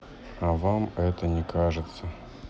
а вам это не кажется